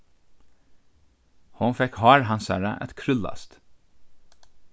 hon fekk hár hansara at krúllast